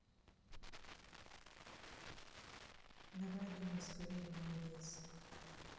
давай думай скорее молодец